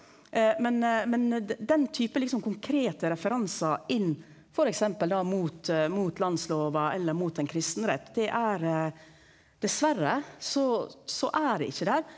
men men det den type liksom konkrete referansar inn f.eks. da mot mot landsloven eller mot ein kristenrett det er dessverre så så er det ikkje der.